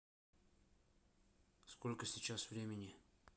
сколько сейчас времени